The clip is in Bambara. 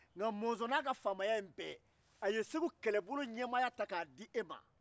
nka mɔzɔn n'a ka faamaya bɛɛ a ye segu kɛlɛbolo ɲɛmaaya ta k'a di e ma